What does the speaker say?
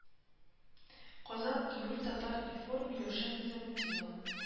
Казан июль татар-информ миләүшә низамутдинова